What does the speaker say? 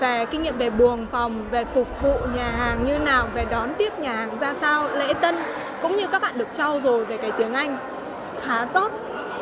về kinh nghiệm về buồng phòng về phục vụ nhà hàng như nào về đón tiếp nhà hàng ra sao lễ tân cũng như các bạn được trau dồi về tiếng anh khá tốt